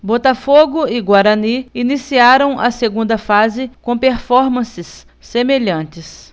botafogo e guarani iniciaram a segunda fase com performances semelhantes